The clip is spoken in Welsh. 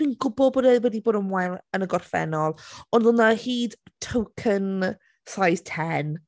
Dwi'n gwybod bod e wedi bod yn wael yn y gorffennol ond oedd 'na o hyd token size 10.